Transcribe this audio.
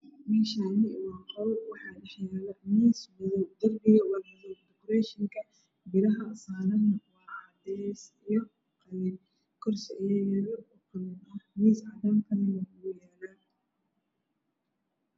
Meeshaani waa qol waxaa dhax yaalo miis iyo darbi waa madow buraha saarana waa cadaan iyo gaduud kursi ayaa yaalo miis cadaana wuu yaala